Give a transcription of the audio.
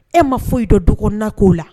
E ma foyi don dukna ko la